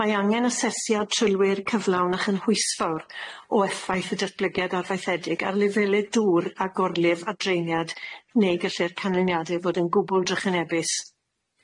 Mae angen asesiad trwylwyr, cyflawn a chynhwysfawr o effaith y datblygiad arfaethedig ar lefelydd dŵr a gorlif a dreiniad neu gellir canlyniade fod yn gwbl drychinebus.